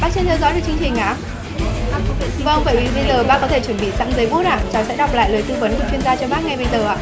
bác chưa theo dõi được chương trình ạ vâng vậy thì bây giờ bác có thể chuẩn bị sẵn giấy bút ạ cháu sẽ đọc lại lời tư vấn của chuyên gia cho bác ngay bây giờ ạ